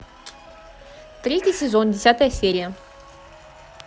третий сезон десятая серия